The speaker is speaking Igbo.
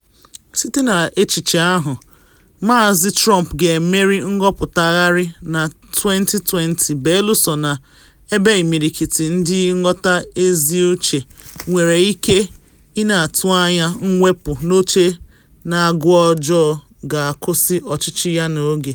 Site na echiche ahụ, Maazị Trump ga-emeri nhọpụtagharị na 2020 belụsọ na, ebe imirikiti ndị nghọta ezi uche nwere ike ị na atụ anya, mwepu n’oche na agwa ọjọọ ga-akwụsị ọchịchị ya n’oge.